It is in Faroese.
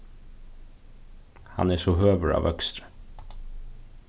hann er so høgur á vøkstri